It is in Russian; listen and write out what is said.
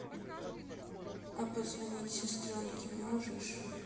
а позвонить сестренке можешь